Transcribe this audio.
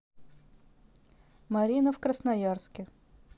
марина в красноярске